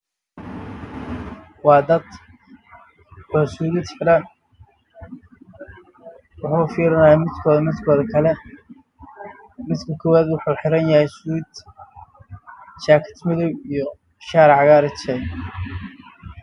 Waa dad midba midka kale fiirinaayo